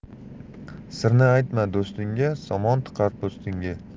sirni aytma do'stingga somon tiqar po'stingga